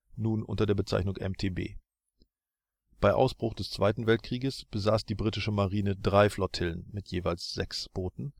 nun unter der Bezeichnung MTB. Bei Ausbruch des Zweiten Weltkrieges besaß die britische Marine drei Flottillen mit jeweils sechs dieser Boote